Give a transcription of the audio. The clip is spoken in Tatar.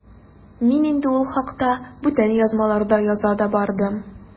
Мин инде ул хакта бүтән язмаларда яза да бардым.